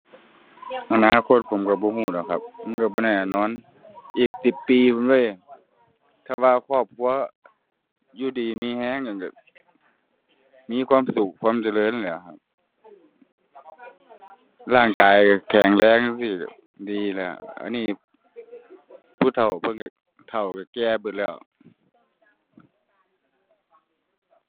อนาคตผมก็บ่ก็ดอกครับ มันก็บ่แน่นอน อีกสิบปีพู้นเว้ย ถ้าว่าครอบครัวอยู่ดีมีก็อะก็แบบมีความสุข ความเจริญแล้วครับ ร่างกายแข็งแรงจั่งซี้ก็ดีแล้ว อันนี้ผู้เฒ่าเพิ่นก็เฒ่าก็แก่เบิดแล้ว